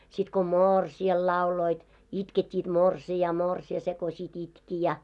sitten kun morsiamelle lauloivat itkettivät morsianta morsian se kun sitten itki ja